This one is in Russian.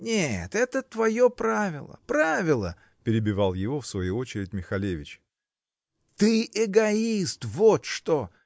-- Нет, это твое правило, правило, -- перебивал его в свою очередь Михалевич. -- Ты эгоист, вот что!